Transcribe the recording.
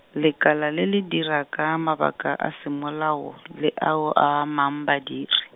lekala le le dira ka mabaka a semolao, le ao a amang badiri.